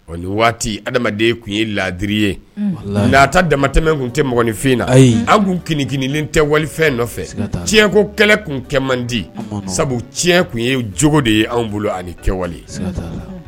Ɔ nin waati adamaden tun ye laadiri ye unh walahi naata damatɛmɛ tun te mɔgɔninfin na ayi an tun kinikinilen tɛ walifɛn nɔfɛ siga t'a la tiɲɛ ko kɛlɛ tun kɛ mandi unhun sabu tiɲɛ tun ye jogo de ye anw bolo ani kɛwale siga t'a la